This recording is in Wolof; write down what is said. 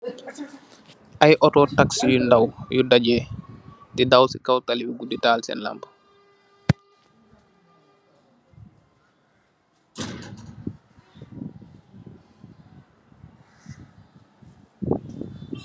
Ay otto taksi yu ndaw, dagee, di daw si talibi, taal seen lampu.